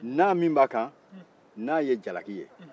nan min b'a kan nan ye jalaki ye